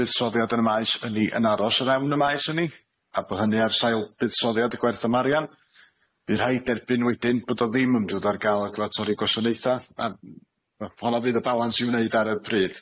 fuddsoddiad yn y maes ynni yn aros o fewn y maes ynni a bo' hynny ar sail buddsoddiad gwerth ymarian, bu rhaid derbyn wedyn bod o ddim yn mynd ar ga'l ac ma' torri gwasanaetha a ma' honna fydd y balans i wneud ar y pryd.